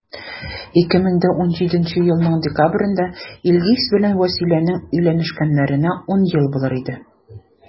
2017 елның декабрендә илгиз белән вәсиләнең өйләнешкәннәренә 10 ел булыр иде.